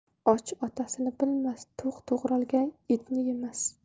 och otasini bilmas to'q to'g'ralgan etni yemas